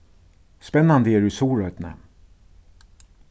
spennandi er í suðuroynni